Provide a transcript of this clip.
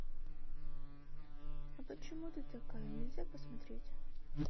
а почему ты такая нельзя посмотреть